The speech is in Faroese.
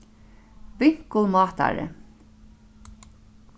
vinkulmátari